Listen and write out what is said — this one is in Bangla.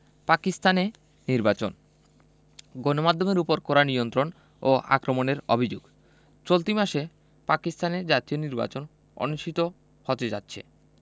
পাকিস্তানে নির্বাচন গণমাধ্যমের ওপর কড়া নিয়ন্ত্রণ ও আক্রমণের অভিযোগ চলতি মাসে পাকিস্তানে জাতীয় নির্বাচন অনুষ্ঠিত হতে যাচ্ছে